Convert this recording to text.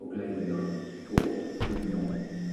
o gleifion bob blwyddyn.